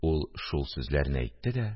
Ул шул сүзләрне әйтте дә